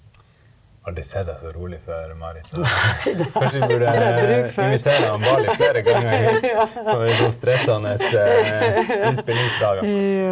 aldri sett deg så rolig før Marit, så kanskje vi burde invitere han Barley flere ganger hit for stressende innspillingsdager.